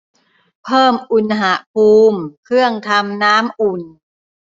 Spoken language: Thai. เพิ่มอุณหภูมิเครื่องทำน้ำอุ่น